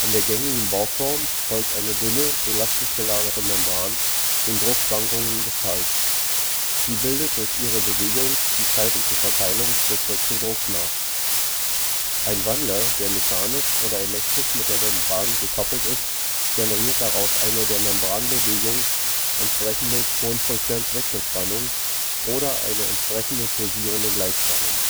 der gängigen Bauform folgt eine dünne, elastisch gelagerte Membran den Druckschwankungen des Schalls. Sie bildet durch ihre Bewegung die zeitliche Verteilung des Wechseldrucks nach. Ein Wandler, der mechanisch oder elektrisch mit der Membran gekoppelt ist, generiert daraus eine der Membranbewegung entsprechende Tonfrequenz-Wechselspannung oder eine entsprechende pulsierende Gleichspannung